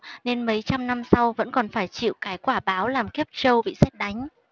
nên mấy trăm năm sau vẫn còn phải chịu cái quả báo làm kiếp trâu bị sét đánh